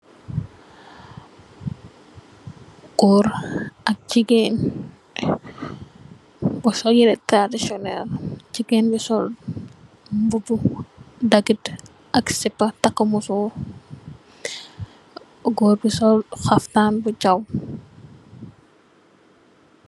Goor ak jigéen bu sol yere traditionale jigéen bi sol mbubu dagit ak sipa taka musurr goor bi sol xaftan bu cxaw.